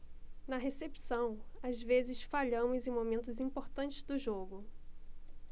na recepção às vezes falhamos em momentos importantes do jogo